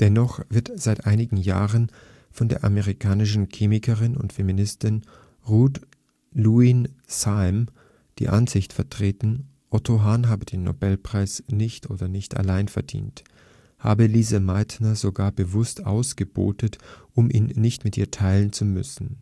Dennoch wird seit einigen Jahren von der amerikanischen Chemikerin und Feministin Ruth Lewin Sime die Ansicht vertreten, Otto Hahn habe den Nobelpreis nicht oder nicht allein verdient, habe Lise Meitner sogar bewusst ausgebootet, um ihn nicht mit ihr teilen zu müssen.